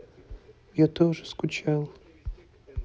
я тоже скучал